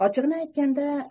ochig'ini aytganda